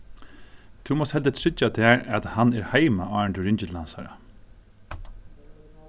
tú mást heldur tryggja tær at hann er heima áðrenn tú ringir til hansara